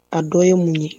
A dɔ ye mun ye